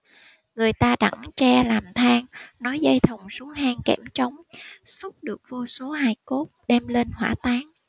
người ta đẵn tre làm thang nối dây thòng xuống hang kẽm trống xúc được vô số hài cốt đem lên hỏa táng